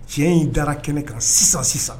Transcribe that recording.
Tiɲɛ in da kɛnɛ kan sisan sisan